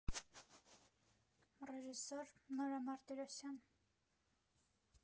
Ռեժիսոր՝ Նորա Մարտիրոսյան։